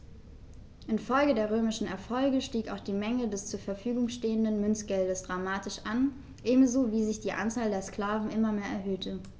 Infolge der römischen Erfolge stieg auch die Menge des zur Verfügung stehenden Münzgeldes dramatisch an, ebenso wie sich die Anzahl der Sklaven immer mehr erhöhte.